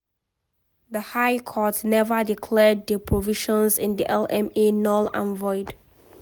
The High Court never declared the provisions in the LMA null and void.